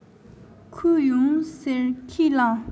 ཁོས ཡོང ཟེར ཁས བླངས